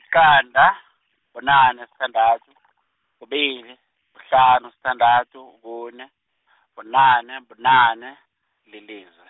liqanda, bunane, sithandathu, kubili, kuhlanu, sithandathu, kune , bunane, bunane, lilize.